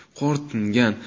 qor tingan